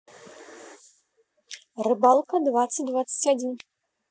рыбалка двадцать двадцать один